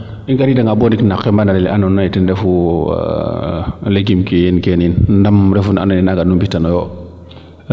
i ngarida nga boo ndik na xembana lene ando naye ten refu legume ke yiin kene yiin nam refu ne ando naye naaga nu mbi tano yo